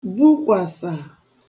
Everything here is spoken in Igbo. bukwàsà